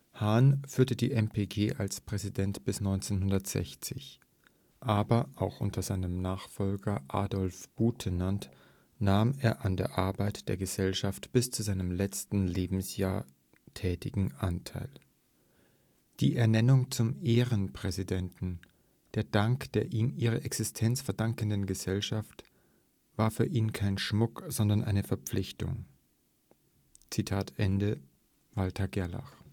Hahn führte die MPG als Präsident bis 1960. Aber auch unter seinem Nachfolger Adolf Butenandt nahm er an der Arbeit der Gesellschaft bis zu seinem letzten Lebensjahr tätigen Anteil: Die Ernennung zum „ Ehrenpräsidenten “, der Dank der ihm ihre Existenz verdankenden Gesellschaft, war für ihn kein Schmuck, sondern eine Verpflichtung. “– Walther Gerlach